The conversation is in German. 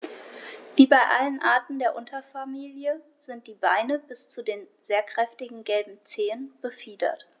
Wie bei allen Arten der Unterfamilie sind die Beine bis zu den sehr kräftigen gelben Zehen befiedert.